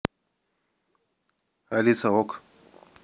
алиса ok